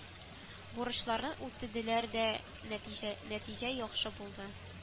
Бурычларны үтәделәр дә нәти нәтиҗә яхшы булды